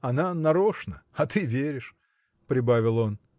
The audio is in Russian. – Она – нарочно, а ты веришь, – прибавил он.